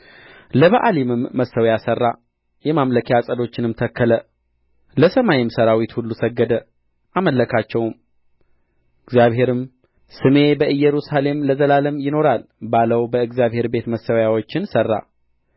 ለበኣሊምም መሠዊያ ሠራ የማምለኪያ ዐፀዶችንም ተከለ ለሰማይም ሠራዊት ሁሉ ሰገደ አመለካቸውም እግዚአብሔርም ስሜ በኢየሩሳሌም ለዘላለም ይኖራል ባለው